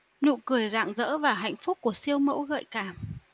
nụ cười rạng rỡ và hạnh phúc của siêu mẫu gợi cảm